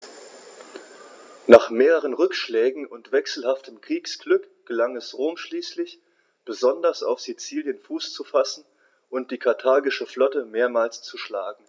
Nach mehreren Rückschlägen und wechselhaftem Kriegsglück gelang es Rom schließlich, besonders auf Sizilien Fuß zu fassen und die karthagische Flotte mehrmals zu schlagen.